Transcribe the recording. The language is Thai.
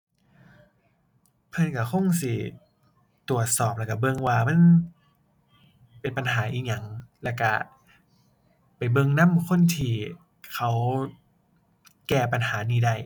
เพิ่นก็คงสิตรวจสอบแล้วก็เบิ่งว่ามันเป็นปัญหาอิหยัง แล้วก็ไปเบิ่งนำคนที่เขาแก้ปัญหานี้ได้